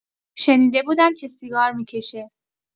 شنیده بودم که سیگار می‌کشه.